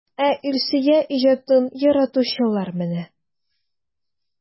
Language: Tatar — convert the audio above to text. Ә Илсөя иҗатын яратучылар менә!